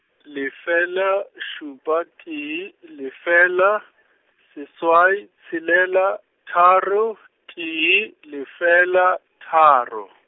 lefela, šupa, tee, lefela, seswai, tshelela, tharo, tee, lefela, tharo.